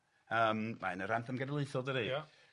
Yym mae yn yr anthem genedlaethol dydi? Ia.